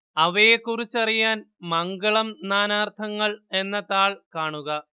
അവയെക്കുറിച്ചറിയാൻ മംഗളം നാനാർത്ഥങ്ങൾ എന്ന താൾ കാണുക